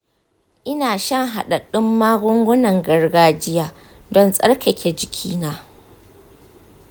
ina shan haɗaɗɗun magungunan gargajiya don tsarkake jikina.